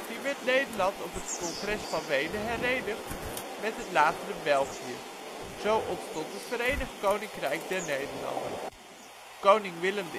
In 1815 werd Nederland op het Congres van Wenen herenigd met het latere België, zo ontstond het Verenigd Koninkrijk der Nederlanden. Koning Willem